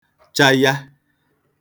chaya